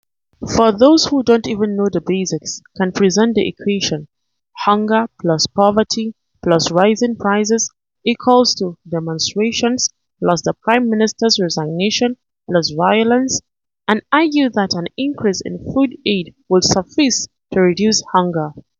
For those who don't even know the basics can present the equation: hunger + poverty + rising prices = demonstrations + the Prime Minister's resignation + violence, and argue that an increase in food aid would suffice to reduce hunger.